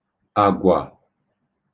àgwà